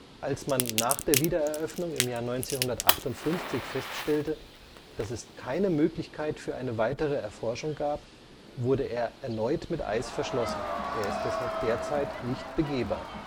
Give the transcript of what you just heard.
Als man nach der Wiederöffnung im Jahr 1958 feststellte, dass es keine Möglichkeit für eine weitere Erforschung gab, wurde er erneut mit Eis verschlossen; er ist deshalb derzeit nicht begehbar